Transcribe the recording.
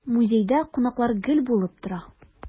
Музейда кунаклар гел булып тора.